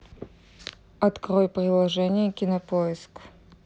открой приложение кинопоиск